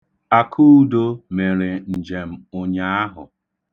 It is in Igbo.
Akụdo mere njem ụnyaahụ.